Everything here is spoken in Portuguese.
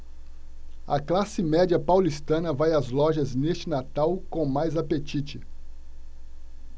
a classe média paulistana vai às lojas neste natal com mais apetite